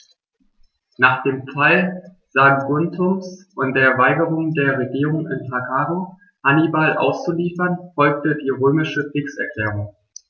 Nach dem Fall Saguntums und der Weigerung der Regierung in Karthago, Hannibal auszuliefern, folgte die römische Kriegserklärung.